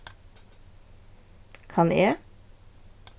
kann eg